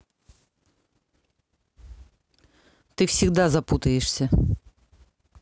ты всегда запутаешься